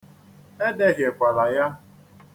Edehiekwala ya.